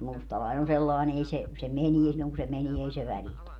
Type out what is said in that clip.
mutta mustalainen on sellainen ei se se menee silloin kun se menee ei se välitä